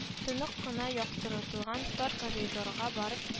Тонык кына яктыртылган тар коридорга барып